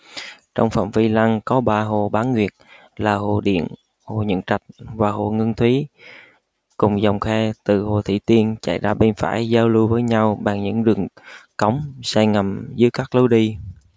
trong phạm vi lăng có ba hồ bán nguyệt là hồ điện hồ nhuận trạch và hồ ngưng thúy cùng dòng khe từ hồ thủy tiên chay ra bên phải giao lưu với nhau bằng những đường cống xây ngầm dưới các lối đi